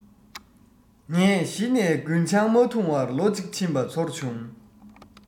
ངས གཞི ནས རྒུན ཆང མ འཐུང བར ལོ གཅིག ཕྱིན པ ཚོར བྱུང